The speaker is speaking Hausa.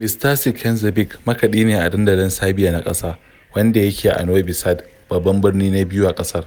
Ms. Tasic Knezeɓic makaɗi ne a Dandalin Serbia na ƙasa, wanda yake a Noɓi Sad, babban birni na biyu a ƙasar.